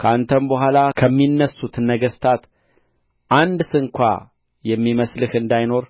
ከአንተም በኋላ ከሚነሡት ነገሥታት አንድ ስንኳ የሚመስልህ እንዳይኖር